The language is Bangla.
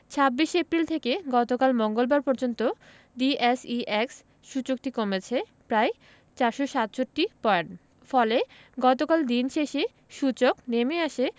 ২৬ এপ্রিল থেকে গতকাল মঙ্গলবার পর্যন্ত ডিএসইএক্স সূচকটি কমেছে প্রায় ৪৬৭ পয়েন্ট ফলে গতকাল দিন শেষে সূচক নেমে আসে